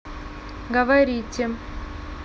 говорите